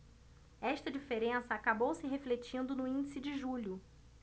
esta diferença acabou se refletindo no índice de julho